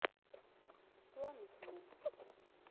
планов нет